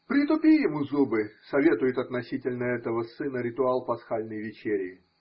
Притупи ему зубы, – советует относительно этого сына ритуал пасхальной вечери.